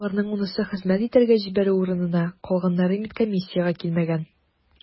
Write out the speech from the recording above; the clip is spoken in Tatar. Шуларның унысы хезмәт итәргә җибәрү урынына, калганнары медкомиссиягә килмәгән.